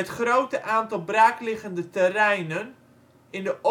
grote aantal braakliggende terreinen en de oppervlakte